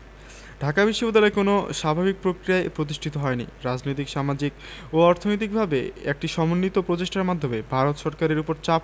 ঢাকা বিশ্ববিদ্যালয় কোনো স্বাভাবিক প্রক্রিয়ায় প্রতিষ্ঠিত হয়নি রাজনৈতিক সামাজিক ও অর্থনৈতিকভাবে একটি সমন্বিত প্রচেষ্টার মাধ্যমে ভারত সরকারের ওপর চাপ